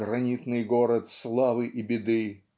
"гранитный город славы и беды"